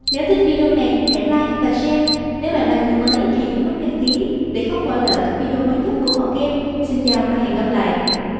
nếu thích video này hãy like và share nếu bạn là người mới hãy nhấn nút đăng ký để không bỏ lỡ các video mới nhất của mọt game xin chào và hẹn gặp lại